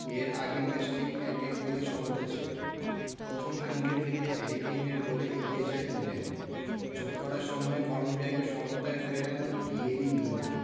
এর আগে ম্যাচটি ১ ১ গোলে সমতা ছিল প্রথমে পেনাল্টি থেকে হ্যারি কেইনের গোলে এগিয়ে যায় ইংল্যান্ড যোগ করা সময়ে কলম্বিয়াকে সমতায় ফেরান ইয়েরি মিনা